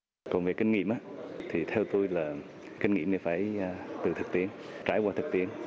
còn về kinh nghiệm á thì theo tôi là kinh nghiệm thì phải từ thực tiễn trải qua thực tiễn